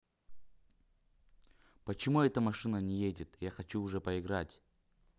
почему эта машина не едет я хочу уже поиграть